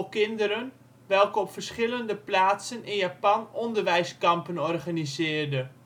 kinderen, welke op verschillende plaatsen in Japan onderwijskampen organiseerde